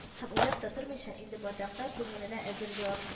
Һәм уйлап та тормыйча, инде байтактан күңеленә әзер җавап